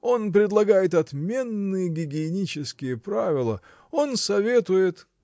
Он предлагает отменные гигиенические правила. Он советует.